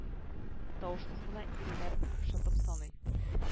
Тавышсыз гына иреннәрен кымшатып саный